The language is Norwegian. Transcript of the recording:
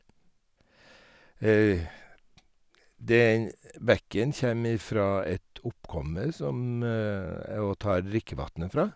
det er en Bekken kjem ifra et oppkomme som jeg òg tar drikkevatnet fra.